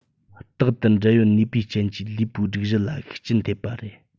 རྟག ཏུ འབྲེལ ཡོད ནུས པའི རྐྱེན གྱིས ལུས པོའི སྒྲིག གཞི ལ ཤུགས རྐྱེན ཐེབས པ རེད